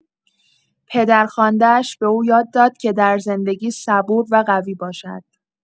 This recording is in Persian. پدرخوانده‌اش به او یاد داد که در زندگی صبور و قوی باشد.